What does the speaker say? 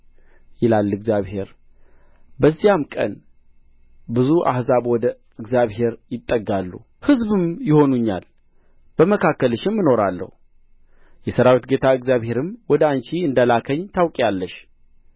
ይላል እግዚአብሔር በዚያም ቀን ብዙ አሕዛብ ወደ እግዚአብሔር ይጠጋሉ ሕዝብም ይሆኑኛል በመካከልሽም እኖራለሁ የሠራዊት ጌታ እግዚአብሔርም ወደ አንቺ እንደ ላከኝ ታውቂአለሽ